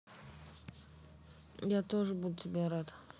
я тоже буду тебя рад